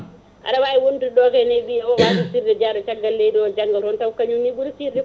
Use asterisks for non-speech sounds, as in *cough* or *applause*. aɗa wawi wondude ɗo kay e ɓiye o *clears throat* wasa * jaaɗo caggal leydi janggaton kañum ni ɓuuri sirde